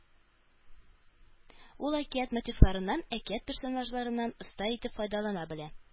Ул әкият мотивларыннан, әкият персонажларыннан оста итеп файдалана белә